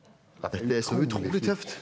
ja dette er så utrolig tøft.